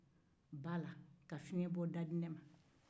ba la ka fiɲɛbɔda di ne man